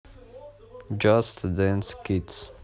джаст данс кидс